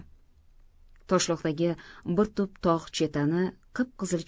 toshloqdagi bir tup tog' chetani qip qizil